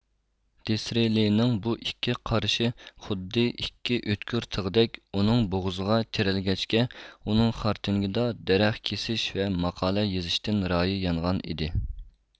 دىسرېلىنىڭ بۇ ئىككى قارىشى خۇددى ئىككى ئۆتكۈر تىغدەك ئۇنىڭ بوغۇزىغا تىرەلگەچكە ئۇنىڭ خارتىنگدا دەرەخ كېسىش ۋە ماقالە يېزىشتىن رايى يانغان ئىدى